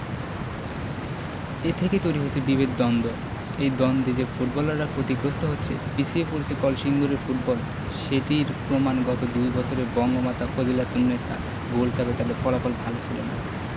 এ থেকেই তৈরি হয়েছে বিভেদ দ্বন্দ্ব এই দ্বন্দ্বে যে ফুটবলাররা ক্ষতিগ্রস্ত হচ্ছে পিছিয়ে পড়ছে কলসিন্দুরের ফুটবল সেটির প্রমাণ গত দুই বছরে বঙ্গমাতা ফজিলাতুন্নেছা গোল্ড কাপে তাদের ফলাফল ভালো ছিল না